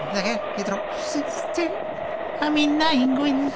Mae gen i drowsus tynn, a minnau un gwyn.